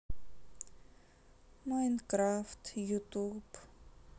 майнкрафт ютуб